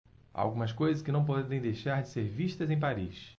há algumas coisas que não podem deixar de serem vistas em paris